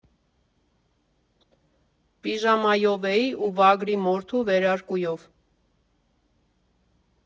Պիժամայով էի ու վագրի մորթու վերարկուով։